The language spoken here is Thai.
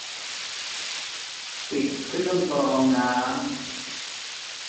ปิดเครื่องกรองน้ำ